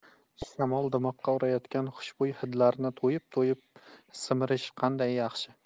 shamol dimoqqa urayotgan xushbo'y hidlarni to'yib to'yib shimirish qanday yaxshi